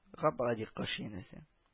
Гап-гади кош янәсе